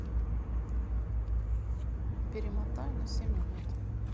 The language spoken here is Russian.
перемотай на семь минут